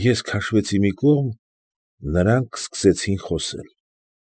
Ես քաշվեցի մի կողմ. նրանք սկսեցին խոսել։